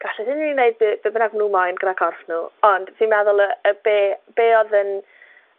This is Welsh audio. gallith unryw un neud be' be' bynnag ma' nw moyn gyda corff nw, ond dwi'n meddwl y y be' be' odd yn